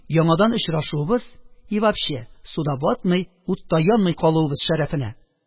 Яңадан очрашуыбыз... и, вообще, суда батмый, утта янмый калуыбыз шәрәфенә.